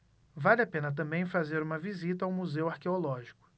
vale a pena também fazer uma visita ao museu arqueológico